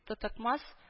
Тутыкмас